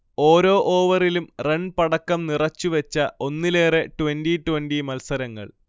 ഓരോ ഓവറിലും റൺപടക്കം നിറച്ചു വച്ച ഒന്നിലേറെ ട്വന്റി ട്വന്റി മൽസരങ്ങൾ